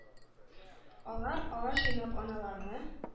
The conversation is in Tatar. Алар... Алар җыйнап аналарны,